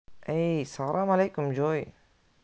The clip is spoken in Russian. эй салам алейкум джой